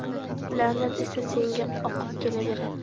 la'nat esa senga oqib kelaveradi